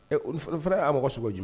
Fana y a mɔgɔ sogo jumɛn